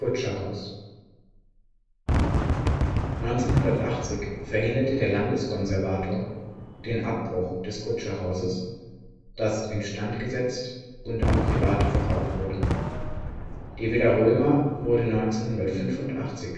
1980 verhinderte der Landeskonservator den Abbruch des Kutscherhauses, das instand gesetzt und an Private verkauft wurde. Die Villa Römer wurde 1985 / 86